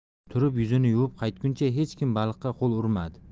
turib yuzini yuvib qaytguncha hech kim baliqqa qo'l urmadi